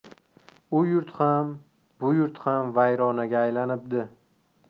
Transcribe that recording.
u yurt ham bu yurt ham vayronaga aylanibdi